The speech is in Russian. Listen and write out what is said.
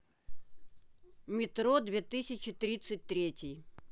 метро две тысячи тридцать третий